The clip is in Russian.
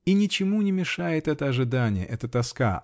И ничему не мешает это ожидание, эта тоска.